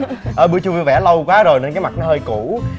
ở buổi trưa vui vẻ lâu quá rồi nên cái mặt nó hơi cũ